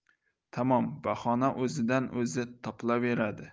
tamom bahona o'zidan o'zi topilaveradi